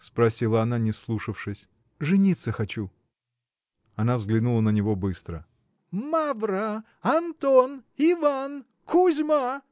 — спросила она, не вслушавшись. — Жениться хочу! Она взглянула на него быстро. — Мавра, Антон, Иван, Кузьма!